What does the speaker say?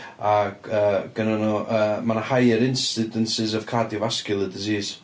Ac yy gennyn nhw yy... mae 'na higher incidence of cardiovascular disease.